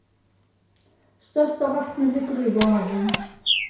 størsta vatnið liggur í vágum